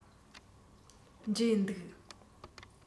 འབྲས འདུག